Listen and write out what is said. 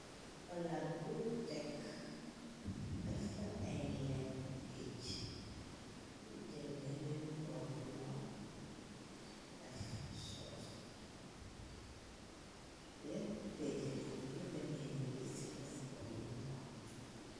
Palaat buñu tekk dafa ay lekku géej. Yu jël beneen bool bu ndaw dafa soos lekku géej na lu demee niki ci sipa sipa mung fa.